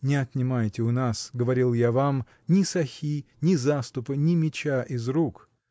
Не отнимайте у нас, говорил я вам, ни сохи, ни заступа, ни меча из рук.